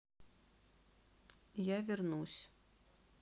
я вернусь